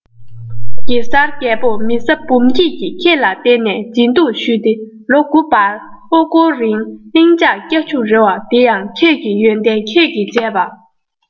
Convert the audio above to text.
གེ སར རྒྱལ པོར མེ བཟའ འབུམ སྐྱིད ཀྱིས ཁྱོད ལ བརྟེན ནས བརྗེད དུག ཞུས ཏེ ལོ དགུ བར དབུ བསྐོར རིང གླིང འཇག སྐྱ ཕྱུ རེ བ དེ ཡང ཁྱོད ཀྱི ཡོན ཏན ཁྱོད ཀྱི བྱས པ